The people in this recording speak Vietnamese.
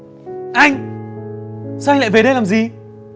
anh sao anh lại về đây làm gì